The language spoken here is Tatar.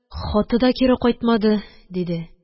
Хаты да кире кайтмады, – диде